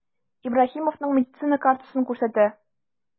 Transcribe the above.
Ибраһимовның медицина картасын күрсәтә.